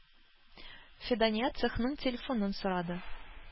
Фидания цехның телефонын сорады.